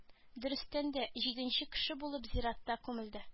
Дөрестән дә җиденче кеше булып зиратта күмелде